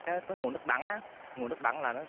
cái nguồn nước bẩn nguồn nước bẩn là nó